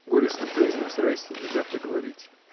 — горестно произнес Райский, не дав договорить.